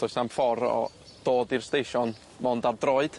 Do's na'm ffor o dod i'r steision mond ar droed.